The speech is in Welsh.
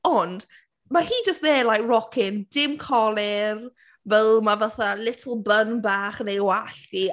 Ond, mae hi just there like rocking dim colur fel mae fatha little bun bach yn ei wallt hi.